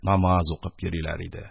Намаз укып йөриләр иде.